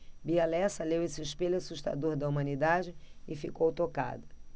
bia lessa leu esse espelho assustador da humanidade e ficou tocada